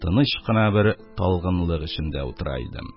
Тыныч кына бер талгынлык өчендә утыра идем.